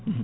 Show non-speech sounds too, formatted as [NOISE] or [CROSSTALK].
[HESITATION] [HESITATION]